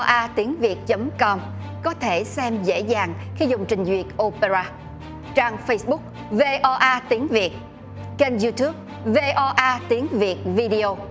a tiếng việt chấm com có thể xem dễ dàng khi dùng trình duyệt ô pe ra trang phây búc vê o a tiếng việt kênh iu túp vê o a tiếng việt vi đi ô